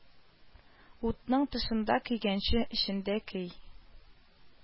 Утның тышында көйгәнче, эчендә көй